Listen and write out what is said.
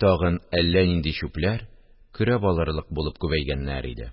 тагын әллә нинди чүпләр көрәп алырлык булып күбәйгәннәр иде